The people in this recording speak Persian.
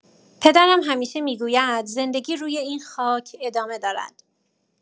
پدرم همیشه می‌گوید زندگی روی این خاک ادامه دارد.